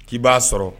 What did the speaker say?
Ki ba sɔrɔ